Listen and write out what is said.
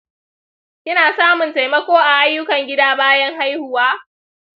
kina samun taimako a ayyukan gida bayan haihuwa?